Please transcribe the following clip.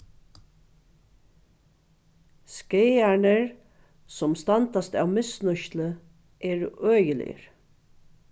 skaðarnir sum standast av misnýtslu eru øgiligir